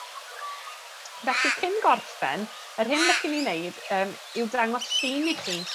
Felly cyn gorffen yr hyn licen i neud yym yw dangos llun i chi